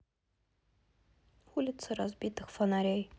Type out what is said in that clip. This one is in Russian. улицы разбитых фонарей